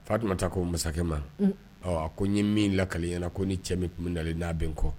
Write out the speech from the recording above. Fa tun ta ko masakɛ ma a ko n ye min lakaya na ko ni cɛ min tun bɛ dalen n'a bɛ n kɔ